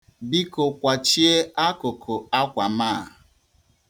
Biko, kwachie akụkụ akwà m a.